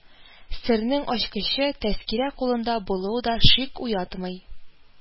Сернең ачкычы тәскирә кулында булуы да шик уятмый